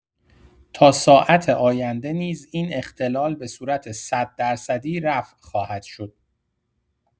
تا ساعت آینده نیز این اختلال به صورت ۱۰۰ درصدی رفع خواهد شد.